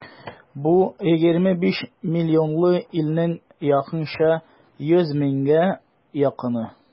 Бу егерме биш миллионлы илнең якынча йөз меңгә якыны.